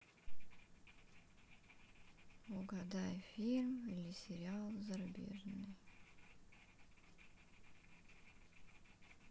угадай фильм или сериал зарубежный